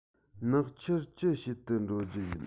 ནག ཆུར ཅི བྱེད དུ འགྲོ རྒྱུ ཡིན